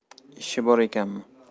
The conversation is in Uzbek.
ishi bor ekanmi